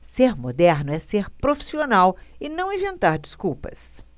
ser moderno é ser profissional e não inventar desculpas